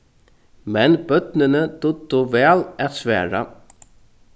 men børnini dugdu væl at svara